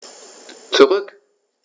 Zurück.